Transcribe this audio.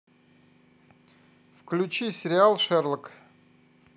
включи сериал шерлок